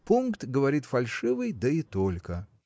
пункт, говорит, фальшивый, да и только.